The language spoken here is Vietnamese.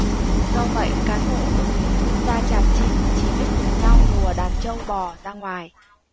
do vậy cán bộ ở vườn quốc gia tràm chim chỉ biết cùng nhau lùa đàn trâu bò ra ngoài